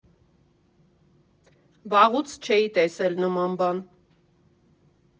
Վաղուց չէի տեսել նման բան։